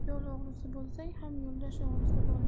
yo'l o'g'risi bo'lsang ham yo'ldosh o'g'risi bo'lma